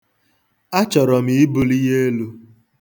Achọrọ m ibuli ya elu.